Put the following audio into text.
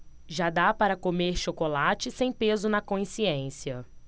já dá para comer chocolate sem peso na consciência